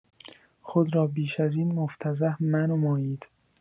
خود را بیش این مفتضح منمایید